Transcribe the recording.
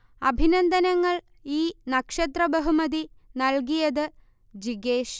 അഭിനന്ദനങ്ങൾ ഈ നക്ഷത്ര ബഹുമതി നൽകിയത് ജിഗേഷ്